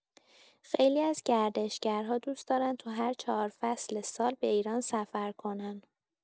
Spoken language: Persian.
خیلی از گردشگرها دوست دارن تو هر چهار فصل سال به ایران سفر کنن